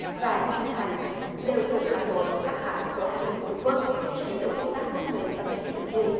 và diêm thành đều thuộc hạm đội bắc hải của hải quân trung quốc sẽ tiếp tục công tác huấn luyện ở tây thái bình dương